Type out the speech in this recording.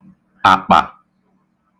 àkpà